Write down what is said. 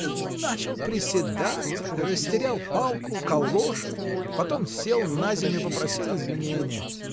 — Ну, начал приседать, растерял палку, калоши, потом сел наземь и попросил извинения.